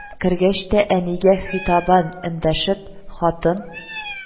Бар, балага катык белә ипи китереп бир", – дип әмер итте